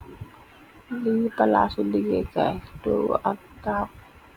liñi palaasu liggéekaay togu ak taabul